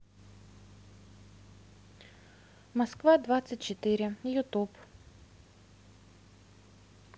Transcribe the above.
москва двадцать четыре ютуб